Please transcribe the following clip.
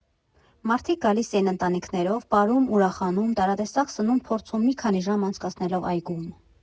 Մարդիկ գալիս էին ընտանիքներով, պարում, ուրախանում, տարատեսակ սնունդ փորձում՝ մի քանի ժամ անցկացնելով այգում։